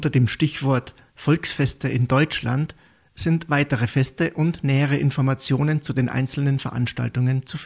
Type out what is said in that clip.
dem Stichwort Volksfeste in Deutschland sind weitere Feste und nähere Informationen zu den einzelnen Veranstaltungen zu